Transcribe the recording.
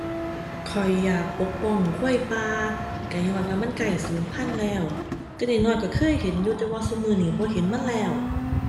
ข้อยอยากปกป้องควายป่า ก็ญ้อนว่ามันใกล้สูญพันธุ์แล้ว แต่น้อยน้อยก็เคยเห็นอยู่ แต่ว่าซุมื้อนี้บ่เห็นมันแล้ว